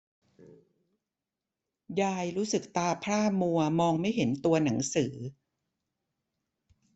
ยายรู้สึกตาพร่ามัวมองไม่เห็นตัวหนังสือ